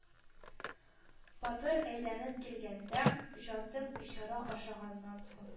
Батыр әйләнеп килгәндә, Җантык бичара ашаганнан соң